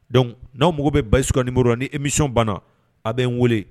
Donc n'aw mago bɛ Bayisu ka numéro la ni émission banna a bɛ n weele.